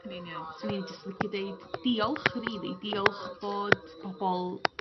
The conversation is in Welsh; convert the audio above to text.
Yn union 'swn i'n jyst licio deud diolch rili diolch bod pobol